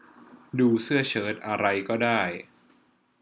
ดูเสื้อเชิร์ตอะไรก็ได้